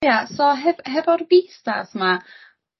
Ia so hef- hefo'r visas 'ma